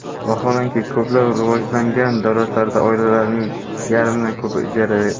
vaholanki ko'plab rivojlangan davlatlarda oilalarning yarmidan